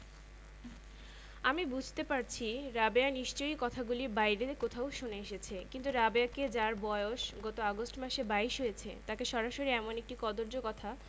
আবারও রাবেয়া বেড়াতে বেরুবে আবারো হয়তো কেউ এমনি একটি ইতর অশ্লীল কথা বলে বসবে তাকে খোকা তোর দুধ মা দুধের বাটি টেবিলে নামিয়ে রাখলেন